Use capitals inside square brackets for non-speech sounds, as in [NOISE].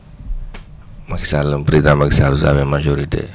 [NOISE] Macky Sall président Machy Sall su amee majorité